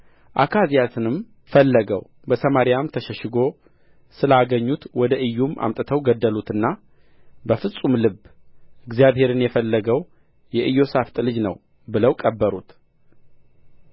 አካዝያስንም ፈለገው በሰማርያ ተሸሽጎ ሳለ አገኙት ወደ ኢዩም አምጥተው ገደሉትና በፍጹም ልብ እግዚአብሔርን የፈለገው የኢዮሣፍጥ ልጅ ነው ብለው ቀበሩት